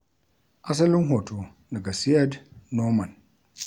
Asalin hoto daga Syed Noman.